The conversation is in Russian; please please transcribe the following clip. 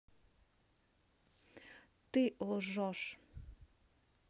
ты лжешь